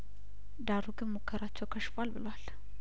ዳሩ ግን ሙከራቸው ከሽፏል ብሏል